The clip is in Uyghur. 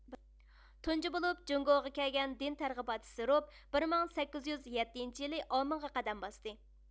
تۇنجى بولۇپ جۇڭگوغا كەلگەن دىن تەرغىباتچىسى روب بىر مىڭ سەككىز يۈز يەتتىنچى يىلى ئاۋمېنغا قەدەم باستى